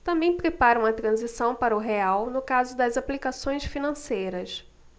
também preparam a transição para o real no caso das aplicações financeiras